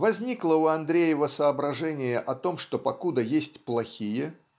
Возникло у Андреева соображение о том что покуда есть плохие